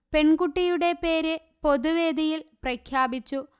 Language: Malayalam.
പെൺകുട്ടിയുടെ പേര് പൊതുവേദിയിൽ പ്രഖ്യാപിച്ചു